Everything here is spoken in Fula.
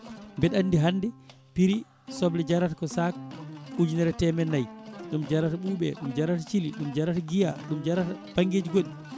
mbeɗa andi hande prix soble jarata ko sac ujunere e temennayyi ɗum jarata Ɓuuɓe ɗum jarata Thily ɗum jarata Guiya ɗum jarata banggueji goɗɗi